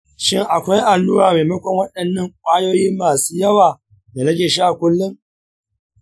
shin akwai allura maimakon waɗannan kwayoyi masu yawa da nake sha kullum?